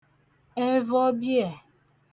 ẹvọ biè